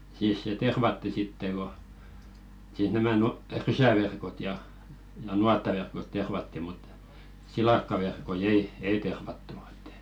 siis se tervattiin sitten kun siis nämä - rysäverkot ja ja nuottaverkot tervattiin mutta silakkaverkkoja ei ei tervattu että